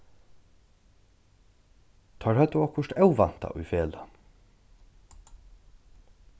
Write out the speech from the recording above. teir høvdu okkurt óvæntað í felag